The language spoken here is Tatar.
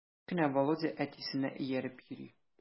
Кечкенә Володя әтисенә ияреп йөри.